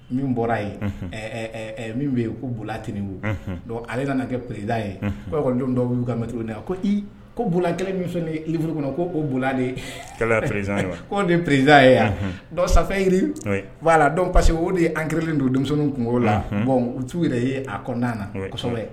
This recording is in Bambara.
Min bɔra yen min bɛ yen ko bolila tinbu ale ka kɛ pererid ye o kɔnij dɔw b'u ka mɛ de ko ko bolila kelen minfuru kɔnɔ ko de pz ye ko perezd ye yan dɔ sanfɛ jiri' la dɔn parce que o de an kiiririlen don denmisɛnnin la bɔn u ci yɛrɛ ye a kɔnɔnaan na kosɛbɛ